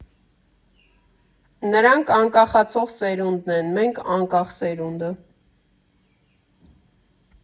Նրանք անկախացող սերունդն են, մենք՝ անկախ սերունդը։